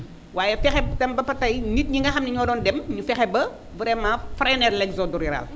waaye fexe tam ba tey nit ñi nga xam ne ñoo doon dem ñu fexe ba vraiment freiné l' exode rural